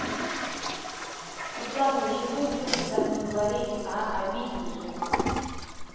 вы главное живым людям так не говорите а обидно же